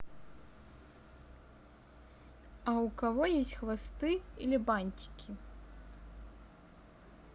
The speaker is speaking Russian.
а у кого есть хвосты или бантики